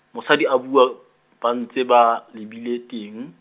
mosadi a bua, ba ntse ba, lebile teng.